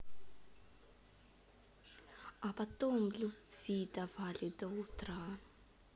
а потом любви давали до утра